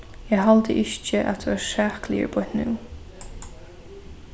eg haldi ikki at tú ert sakligur beint nú